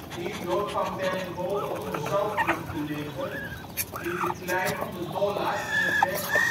Hierdoor kwam Bellingwolde op een zandrug te liggen die de klei van de Dollard in het westen